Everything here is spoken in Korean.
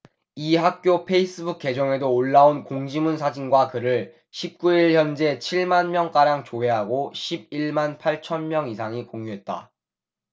이 학교 페이스북 계정에도 올라온 공지문 사진과 글을 십 구 일 현재 칠 만 명가량 조회하고 십 일 만 팔 천 명 이상이 공유했다